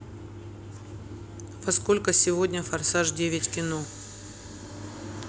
во сколько сегодня форсаж девять кино